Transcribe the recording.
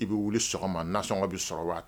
I bɛ wuli sɔgɔma na sɔnɔgɔ bɛ sɔrɔ wa